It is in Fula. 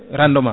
rendement